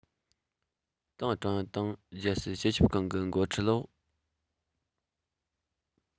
ཏང ཀྲུང དབྱང དང རྒྱལ སྲིད སྤྱི ཁྱབ ཁང གི འགོ ཁྲིད འོག